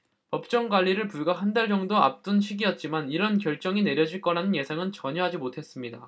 법정관리를 불과 한 달 정도 앞둔 시기였지만 이런 결정이 내려질 거라는 예상은 전혀 하지 못했습니다